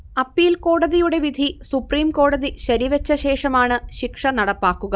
appeal കോടതിയുടെ വിധി സുപ്രീംകോടതി ശരിവെച്ച ശേഷമാണ് ശിക്ഷ നടപ്പാക്കുക